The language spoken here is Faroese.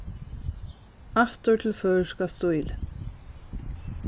aftur til føroyska stílin